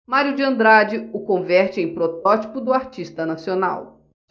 mário de andrade o converte em protótipo do artista nacional